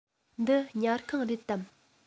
འདི ཉལ ཁང རེད དམ